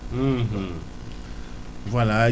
voilà